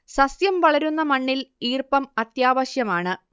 സസ്യം വളരുന്ന മണ്ണിൽ ഈർപ്പം അത്യാവശ്യമാണ്